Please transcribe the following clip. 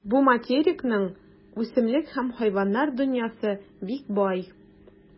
Бу материкның үсемлек һәм хайваннар дөньясы бик бай.